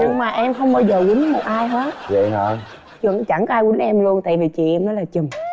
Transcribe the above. nhưng mà em không bao giờ uýnh một ai hết dậy hả rồi chẳng có ai uýnh em luôn tại vì chị em nó là trùm